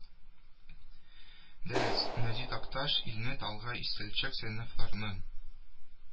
Дөрес, Нади Такташ илне алга илтәчәк сыйныфларның,